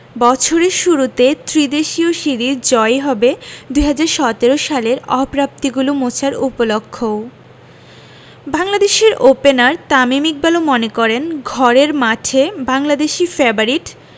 বছরের শুরুতে ত্রিদেশীয় সিরিজ জয়ই হবে ২০১৭ সালের অপ্রাপ্তিগুলো মোছার উপলক্ষও বাংলাদেশের ওপেনার তামিম ইকবালও মনে করেন ঘরের মাঠে বাংলাদেশই ফেবারিট